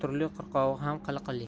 turli qirqovi ham qiliqli